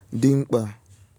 dị mkpà